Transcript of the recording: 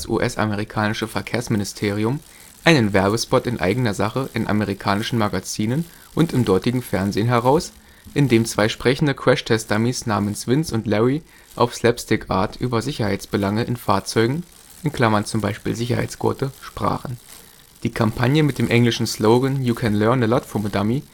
US-amerikanisches Verkehrsministerium) einen Werbespot in eigener Sache in amerikanischen Magazinen und im dortigen Fernsehen heraus, in dem zwei sprechende Crashtest-Dummies namens Vince und Larry auf Slapstick-Art über Sicherheitsbelange in Fahrzeugen (zum Beispiel Sicherheitsgurte) sprachen. Die Kampagne mit dem englischen Slogan „ You can Learn a Lot from a Dummy